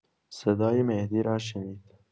صدای مهدی را شنید.